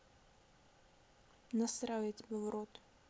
насрал я тебе в рот